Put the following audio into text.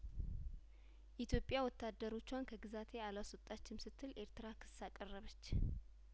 ኢትዮጵያ ወታደሮቿን ከግዛቴ አላስ ወጣችም ስትል ኤርትራ ክስ አቀረበች